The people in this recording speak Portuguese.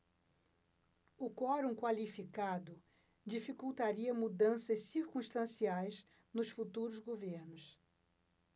o quorum qualificado dificultaria mudanças circunstanciais nos futuros governos